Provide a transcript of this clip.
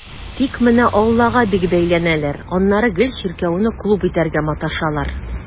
Тик менә аллага бик бәйләнәләр, аннары гел чиркәүне клуб итәргә маташалар.